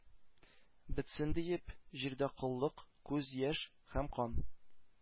«бетсен,— диеп,— җирдә коллык, күз-яшь һәм кан!»